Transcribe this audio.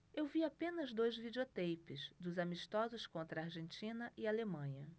eu vi apenas dois videoteipes dos amistosos contra argentina e alemanha